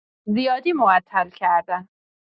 زیادی معطل کردم.